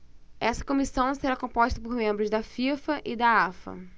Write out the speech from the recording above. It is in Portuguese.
essa comissão será composta por membros da fifa e da afa